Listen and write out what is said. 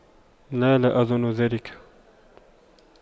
لا لا أظن ذلك